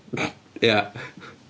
Ia.